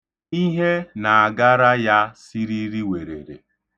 Ihe na-agara ya siririwerere.